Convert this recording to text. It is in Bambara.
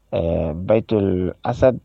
Ɛɛ bayitul asad